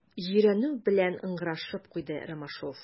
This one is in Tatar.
Җирәнү белән ыңгырашып куйды Ромашов.